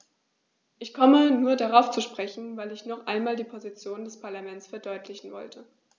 Ich komme nur darauf zu sprechen, weil ich noch einmal die Position des Parlaments verdeutlichen wollte.